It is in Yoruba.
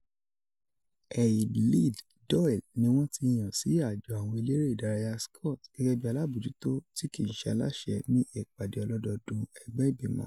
Eilidh Doyle ni wọn ti yan si ajọ Awọn Elere Idaraya Scott gẹgẹbi alabojuto ti kiiṣe alaṣẹ ni ipade ọlọdọọdun ẹgbẹ igbimọ.